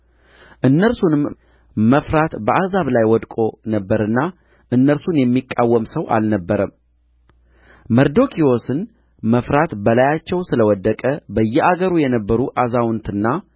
እነርሱንም መፍራት በአሕዛብ ሁሉ ላይ ወድቆ ነበርና እነርሱን የሚቃወም ሰው አልነበረም መርዶክዮስን መፍራት በላያቸው ስለ ወደቀ በየአገሩ የነበሩ አዛውንትና